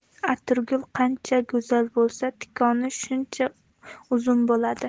atirgul qancha go'zal bo'lsa tikoni shuncha uzun bo'ladi